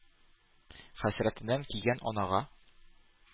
Хәсрәтеннән көйгән анага.